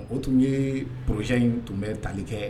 O tun ye pya in tun bɛ tali kɛ